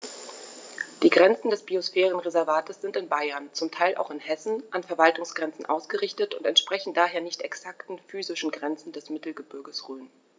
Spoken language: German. Die Grenzen des Biosphärenreservates sind in Bayern, zum Teil auch in Hessen, an Verwaltungsgrenzen ausgerichtet und entsprechen daher nicht exakten physischen Grenzen des Mittelgebirges Rhön.